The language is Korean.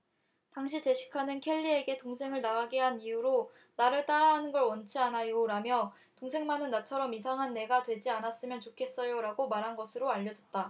당시 제시카는 켈리에게 동생을 나가게 한 이유로 나를 따라 하는 걸 원치 않아요라며 동생만은 나처럼 이상한 애가 되지 않았으면 좋겠어요라고 말한 것으로 알려졌다